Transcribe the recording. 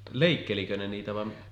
leikkelikö ne niitä vaan